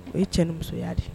O ye cɛ ni musoya de ye